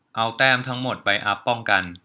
เอาแต้มทั้งหมดไปอัพป้องกัน